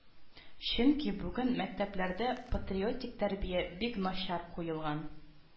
Чөнки бүген мәктәпләрдә патриотик тәрбия бик начар куелган